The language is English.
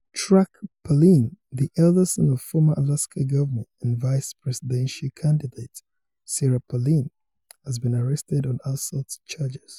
Track Palin, the eldest son of former Alaska governor and vice presidential candidate Sarah Palin, has been arrested on assault charges.